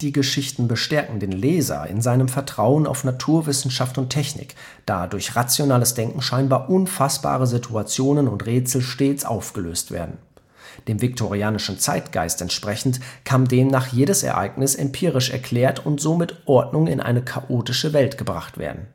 Geschichten bestärken den Leser in seinem Vertrauen auf Naturwissenschaft und Technik, da durch rationales Denken scheinbar unfassbare Situationen und Rätsel stets aufgelöst werden. Dem viktorianischen Zeitgeist entsprechend kann demnach jedes Ereignis empirisch erklärt und somit Ordnung in eine chaotische Welt gebracht werden